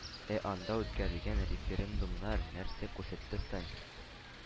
Ә анда үткәрелгән референдумнар нәрсә күрсәтте соң?